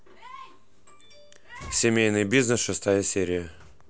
семейный бизнес шестая серия